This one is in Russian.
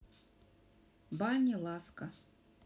бани ласка